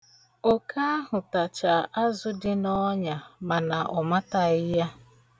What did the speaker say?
Oke ahụ tacha azụ dị n'ọnya mana ọ mataghị ya.